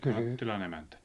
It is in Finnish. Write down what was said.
Mattilan emäntä